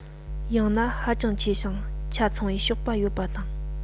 ཡང ན ཧ ཅང ཆེ ཞིང ཆ ཚང བའི གཤོག པ ཡོད པ དང